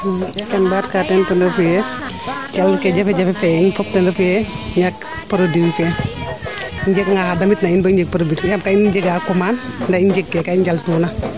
keem mbaat kaa teen ten refu yee calel ke jafe jafe fee in fop ten refu yee ñak produit fee i njega nga xaa damit na in bo jeng produit fee yaam kaa i njega commande ndaa i njeg kee kaa i njal tuuna